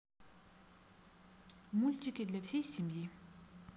мультики для всей семьи